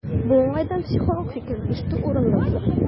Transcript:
Бу уңайдан психолог фикерен ишетү урынлы булыр.